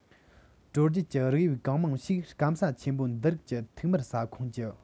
དྲོ རྒྱུད ཀྱི རིགས དབྱིབས གང མང ཞིག སྐམ ས ཆེན པོ འདི རིགས ཀྱི ཐིག དམར ས ཁོངས ཀྱི